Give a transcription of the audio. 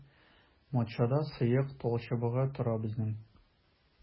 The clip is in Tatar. Матчада сыек талчыбыгы тора безнең.